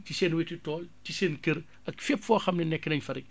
ci seen wetu tool ci seen kër ak fépp foo xam ne nekk nañ fa rekk